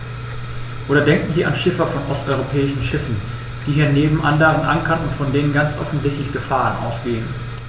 Oder denken Sie an Schiffer von osteuropäischen Schiffen, die hier neben anderen ankern und von denen ganz offensichtlich Gefahren ausgehen.